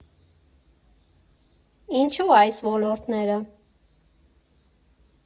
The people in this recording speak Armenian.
Ինչո՞ւ այս ոլորտները։